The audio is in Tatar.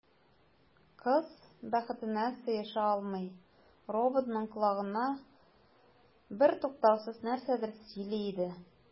Кыз, бәхетенә сыеша алмый, роботның колагына бертуктаусыз нәрсәдер сөйли иде.